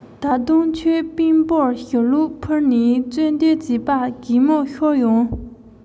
ད དུང ཁྱོད དཔོན པོར ཞུ ལོག ཕུལ ནས རྩོད འདོད བྱེད པ གད མོ ཤོར ཡོང